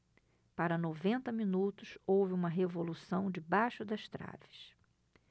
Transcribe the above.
para noventa minutos houve uma revolução debaixo das traves